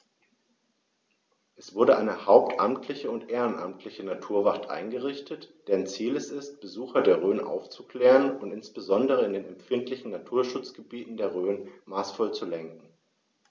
Es wurde eine hauptamtliche und ehrenamtliche Naturwacht eingerichtet, deren Ziel es ist, Besucher der Rhön aufzuklären und insbesondere in den empfindlichen Naturschutzgebieten der Rhön maßvoll zu lenken.